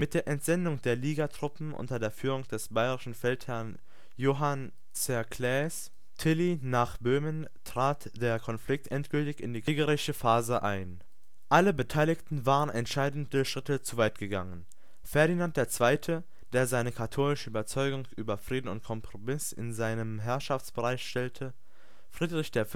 der Entsendung der Liga-Truppen unter der Führung des bayerischen Feldherrn Johann Tserclaes Tilly nach Böhmen trat der Konflikt endgültig in die kriegerische Phase ein. Alle Beteiligten waren entscheidende Schritte zu weit gegangen: Ferdinand II., der seine katholische Überzeugung über Frieden und Kompromiss in seinem Herrschaftsbereich stellte; Friedrich V., der